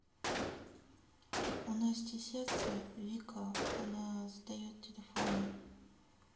у насти сердца вика она задает телефоны